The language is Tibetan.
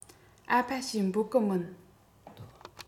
ཨ ཕ ཞེས འབོད གི མིན